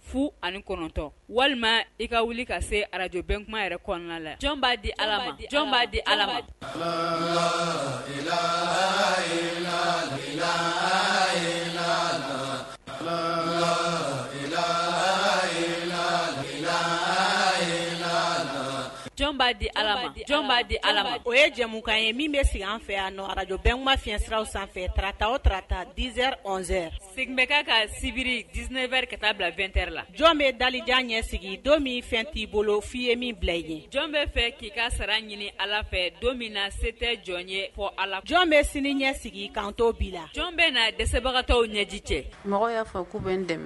Fu ani kɔnɔntɔn walima i ka wuli ka se arajbɛnkuma yɛrɛ kɔnɔna la jɔn b'a di b'a di'a di jɔn'a di ala o ye jamumukan ye min bɛ sigi an fɛ yan arajma fisiraw sanfɛ tata o tata dizz sen bɛ ka ka sibiri diinɛ wɛrɛ ka taa bila2ɛ la jɔn bɛ dajan ɲɛ sigi don min fɛn t'i bolo f'i ye min bila i ye jɔn bɛ fɛ k'i ka sara ɲini ala fɛ don min na se tɛ jɔn ye fɔ a jɔn bɛ sini ɲɛ sigi kantɔn bi la jɔn bɛ na dɛsɛbagatɔw ɲɛji cɛ mɔgɔ y'a bɛ dɛmɛ